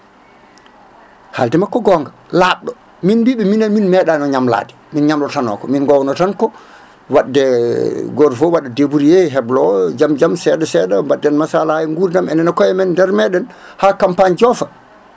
haalde makko gonga laabɗo min mbiɓe minen min meeɗano ñamlade min ñamlotanoka min gowno tan ko wadde goto foof waɗa débrouiller heblo jaam jaam seeɗa seeɗa babden masalaha e gurdam enen e koye men nder meɗen ha campagne joofa